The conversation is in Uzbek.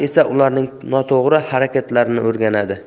esa ularning noto'g'ri harakatlarini o'rganadi